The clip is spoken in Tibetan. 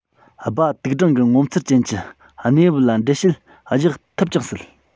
སྦ དུག སྦྲང གི ངོ མཚར ཅན གྱི གནས བབ ལ འགྲེལ བཤད རྒྱག ཐུབ ཀྱང སྲིད